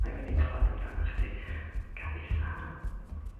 Mae wedi clywad amdanach chdi gan ei thad.